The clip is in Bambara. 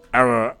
A